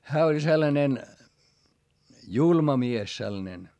hän oli sellainen julma mies sellainen